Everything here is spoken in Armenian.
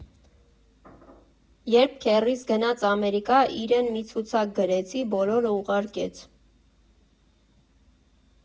Երբ քեռիս գնաց Ամերիկա, իրեն մի ցուցակ գրեցի, բոլորը ուղարկեց։